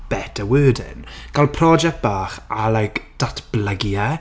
Better wording. Gael prosiect bach a like datblygu e.